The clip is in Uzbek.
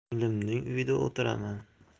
singlimning uyida o'tiraman